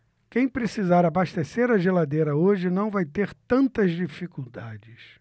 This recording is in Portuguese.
quem precisar abastecer a geladeira hoje não vai ter tantas dificuldades